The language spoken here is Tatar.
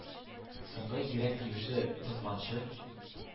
Соңгы йөрәк тибеше тынганчы